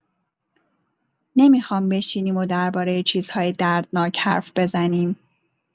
نمی‌خوام بشینیم و درباره چیزهای دردناک حرف بزنیم.